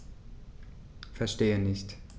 Verstehe nicht.